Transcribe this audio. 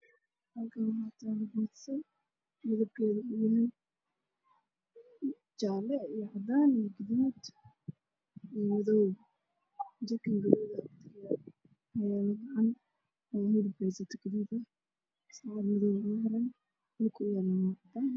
Meeshaan waxaa yaalo cuno cunodaas waxaa ka mid ah basbaas iyo rooti